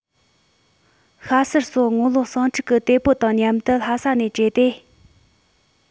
ཤ ཟུར སོགས ངོ ལོག ཟིང འཁྲུག གི གཏེ པོ དང མཉམ དུ ལྷ ས ནས བྲོས ཏེ